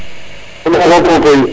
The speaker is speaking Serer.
o Mbof o pouy pouy